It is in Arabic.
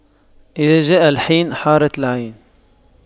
إذا جاء الحين حارت العين